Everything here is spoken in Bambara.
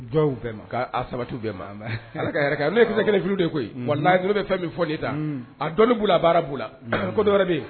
Dua u bɛɛ ma kaa a sabati u bɛɛ ma an ba Ala ka hɛrɛ kɛ an ne ye kisɛkelenfili de ye koyi unhun walahi ninnu bɛ fɛn min fɔ nin ye tan unnh a dɔnni b'u la a baara b'u la ko dɔ wɛrɛ be ye